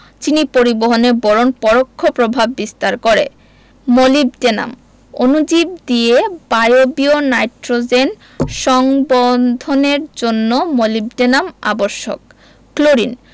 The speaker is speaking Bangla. চিনি পরিবহনে বোরন পরোক্ষ প্রভাব বিস্তার করে মোলিবডেনাম অণুজীব দিয়ে বায়বীয় নাইট্রোজেন সংবন্ধনের জন্য মোলিবডেনাম আবশ্যক ক্লোরিন